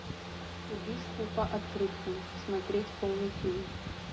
убийство по открыткам смотреть полный фильм